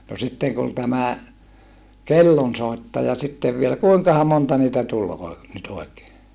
no sitten kun tämä kellonsoittaja sitten vielä kuinkahan monta niitä tuli - nyt oikein